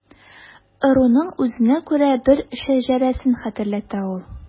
Ыруның үзенә күрә бер шәҗәрәсен хәтерләтә ул.